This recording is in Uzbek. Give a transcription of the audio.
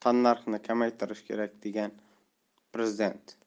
tannarxni kamaytirish kerak degan prezident